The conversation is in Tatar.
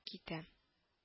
Китәм